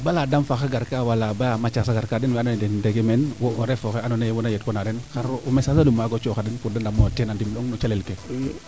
bala Danefakh a gar kaa wala nala Mathiase a gar kaa den wee ando naye den tege meen wo o ref oxe ando naye wona yoot wa na den xar po message olum waago cooxadan pour de ndamoyo teen a coxong oyo no calel ke